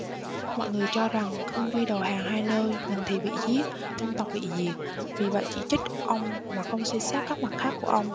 mọi người cho rằng khương duy đầu hàng hai nơi mình thì bị giết tông tộc bị diệt vì vậy chỉ trích ông mà không suy xét các mặt khác của ông